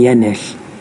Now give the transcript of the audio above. i ennill